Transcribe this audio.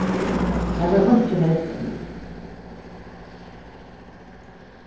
har var einki hent enn